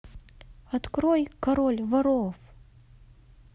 открой король воров